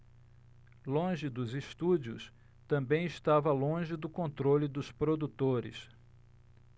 longe dos estúdios também estava longe do controle dos produtores